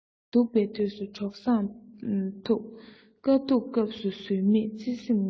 སྡུག པའི དུས སུ གྲོགས བཟང ཐུག དཀའ སྡུག སྐབས སུ ཟོལ མེད བརྩེ སེམས མངོན